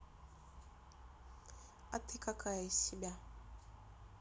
а ты какая из себя